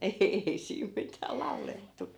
ei siinä mitään laulettu